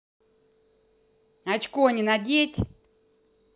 очко не надеть